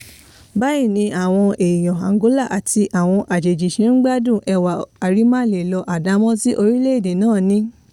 Báyìí, àwọn èèyàn Angola àti àwọn àjèjì sì ń jẹ ìgbádùn ẹwà àrímáleèlọ àdámọ́ tí orílẹ̀-èdè náà ní.